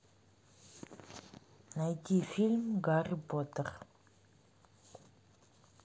найти фильм гарри поттер